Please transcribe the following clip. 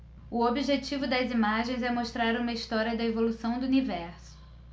o objetivo das imagens é mostrar uma história da evolução do universo